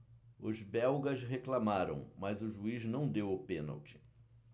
os belgas reclamaram mas o juiz não deu o pênalti